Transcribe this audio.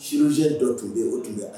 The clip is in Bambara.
Szjɛ dɔ tun bɛ yen o tun bɛ